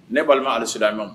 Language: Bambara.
Ne b'a ma alise ma